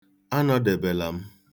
Anọdebela m.